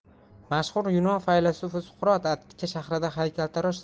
mashhur yunon faylasufi suqrot attika shahrida haykaltarosh